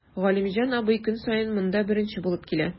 Галимҗан абый көн саен монда беренче булып килә.